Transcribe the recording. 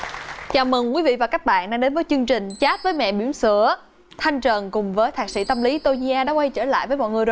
chào mừng quý vị và các bạn nên đến với chương trình chat với mẹ bỉm sữa thanh trần cùng với thạc sĩ tâm lý tô nhi a đã quay trở lại với mọi người